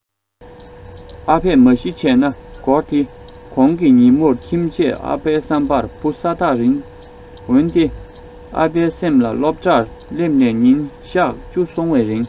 ཨ ཕས མ གཞི བྱས ན སྒོར དེའི གོང གི ཉིན མོར ཁྱིམ ཆས ཨ ཕའི བསམ པར བུ ས ཐག རིང འོན ཏེ ཨ ཕའི སེམས ལ སློབ གྲྭར སླེབས ནས ཉིན གཞག བཅུ སོང བའི རིང